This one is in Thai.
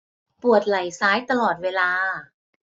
ปวดไหล่ซ้ายตลอดเวลา